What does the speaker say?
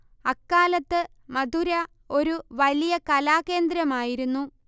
അക്കാലത്ത് മഥുര ഒരു വലിയ കലാകേന്ദ്രമായിരുന്നു